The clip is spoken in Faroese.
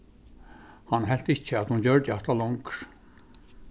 hann helt ikki at hon gjørdi hatta longur